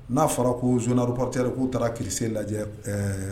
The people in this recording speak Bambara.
N'a fɔra ko zptɛ k'o taara ki lajɛ ɛɛ